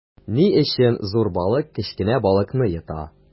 Ни өчен зур балык кечкенә балыкны йота?